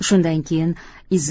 shundan keyin izza